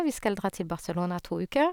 Vi skal dra til Barcelona to uker.